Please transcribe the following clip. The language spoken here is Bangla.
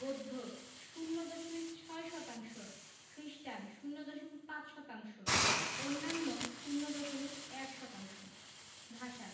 বৌদ্ধ ০ দশমিক ৬ শতাংশ খ্রিস্টান ০দশমিক ৫ শতাংশ অন্যান্য ০দশমিক ১ শতাংশ ভাষাঃ